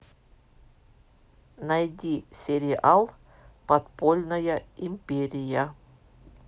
найди сериал подпольная империя